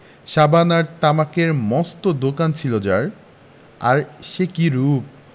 সাবান আর তামাকের মস্ত দোকান ছিল যার আর সে কি রুপ